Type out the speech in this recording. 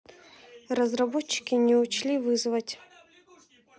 разработчики не учли вызвать